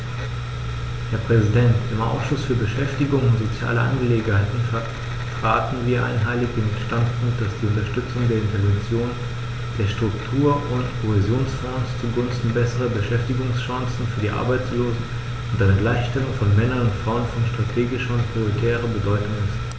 Herr Präsident, im Ausschuss für Beschäftigung und soziale Angelegenheiten vertraten wir einhellig den Standpunkt, dass die Unterstützung der Interventionen der Struktur- und Kohäsionsfonds zugunsten besserer Beschäftigungschancen für die Arbeitslosen und einer Gleichstellung von Männern und Frauen von strategischer und prioritärer Bedeutung ist.